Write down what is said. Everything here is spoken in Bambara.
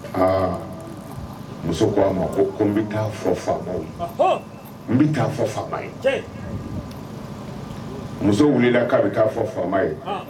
Aa muso ko a ma ko ko n bɛ taa fɔ fa ye n bɛ taa fɔ fa ye muso wulilala k'a bɛ taa fɔ faama ye